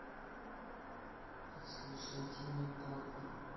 подслушивайте меня падлы